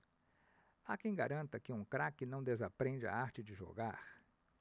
há quem garanta que um craque não desaprende a arte de jogar